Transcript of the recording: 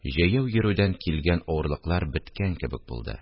Җәяү йөрүдән килгән авырлыклар беткән кебек булды